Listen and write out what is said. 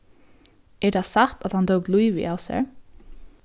er tað satt at hann tók lívið av sær